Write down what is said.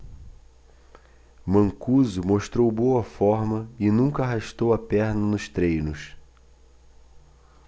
mancuso mostrou boa forma e nunca arrastou a perna nos treinos